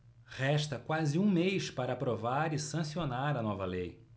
resta quase um mês para aprovar e sancionar a nova lei